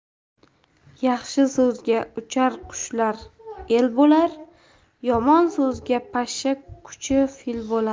yaxshi so'zga uchar qushlar el bo'lar yomon so'zga pashsha kuchi fil bo'lar